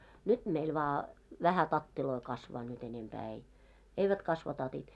nyt meillä vain vähän tatteja kasvaa nyt enempää ei eivät kasva tatit